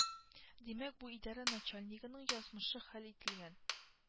Димәк бу идарә начальнигының язмышы хәл ителгән